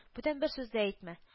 Бүтән бер сүз дә әйтмә